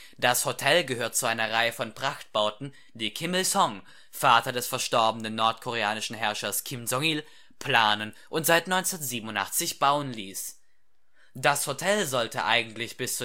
Das Hotel gehört zu einer Reihe von Prachtbauten, die Kim Il-sung, Vater des verstorbenen nordkoreanischen Herrschers Kim Jong-il, planen und seit 1987 bauen ließ. Das Hotel sollte eigentlich bis